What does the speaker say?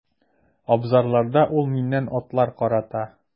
Абзарларда ул миннән атлар карата.